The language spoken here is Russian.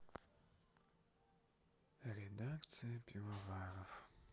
редакция пивоваров